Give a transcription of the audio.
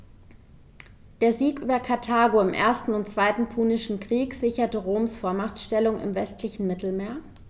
Der Sieg über Karthago im 1. und 2. Punischen Krieg sicherte Roms Vormachtstellung im westlichen Mittelmeer.